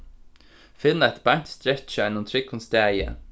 finn eitt beint strekki á einum tryggum staði